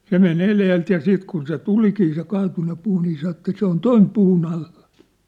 se meni edeltä ja sitten kun se tulikin se kaatunut puu niin sanoi että se on tuon puun alla